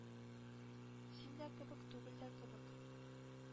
Син дә кебек, түгел дә кебек.